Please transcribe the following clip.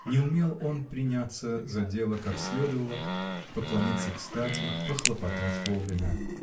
не умел он приняться за дело как следовало, поклониться кстати, похлопотать вовремя.